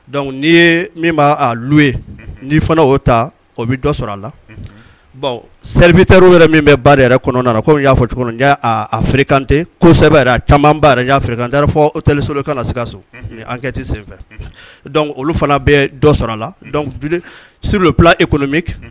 Dɔnkuc n'i ye min b'lu ye n'i fana'o ta o bɛ dɔ sɔrɔ a la sɛt yɛrɛ min bɛ ba yɛrɛ kɔnɔ na ko y'a fɔ kante ko kosɛbɛ caman' fɔ o telisolon ka na se ka so an kɛti senfɛ olu fana bɛ dɔ sɔrɔ a la e kɔnɔmi